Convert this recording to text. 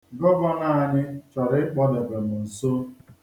Gọvanọ anyị chọrọ ịkpọdebe m nso.